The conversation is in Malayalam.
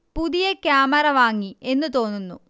പുതിയ കാമറ വാങ്ങി എന്ന് തോന്നുന്നു